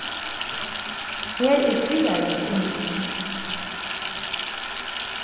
her er friðarligt inni